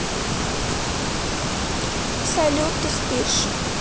салют ты спишь